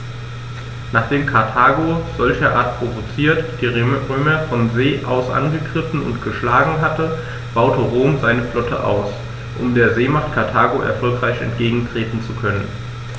Nachdem Karthago, solcherart provoziert, die Römer von See aus angegriffen und geschlagen hatte, baute Rom seine Flotte aus, um der Seemacht Karthago erfolgreich entgegentreten zu können.